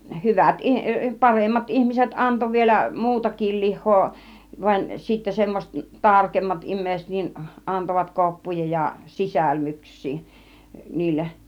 hyvät - paremmat ihmiset antoi vielä muutakin lihaa vaan sitten semmoiset tarkemmat ihmiset niin antoivat koppuja ja sisälmyksiä niille